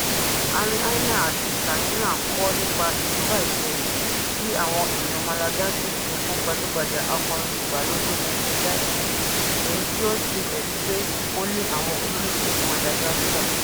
Ariniaina àti Tahina kọ nípa ìjúbà ìkẹyìn tí àwọn èèyàn Malagasy ṣe fún gbajúgbajà akọrin ìgbàlódé Michael Jackson, èyí tí ó ń ṣe ẹ̀rí pé ó ní àwọn olólùfẹ́ ní Madagascar.